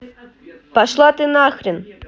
пошла ты нахрен